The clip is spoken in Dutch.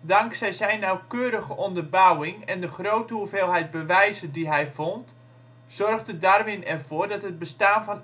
Dankzij zijn nauwkeurige onderbouwing en de grote hoeveelheid bewijzen die hij vond, zorgde Darwin ervoor dat het bestaan van